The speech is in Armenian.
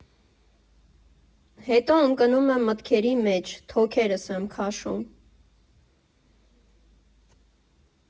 Հետո ընկնում եմ մտքերի մեջ, թոքերս եմ քաշում։